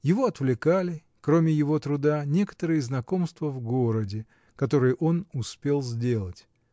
Его отвлекали, кроме его труда, некоторые знакомства в городе, которые он успел сделать.